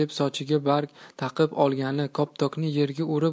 sochiga bargak taqib olgani koptokni yerga urib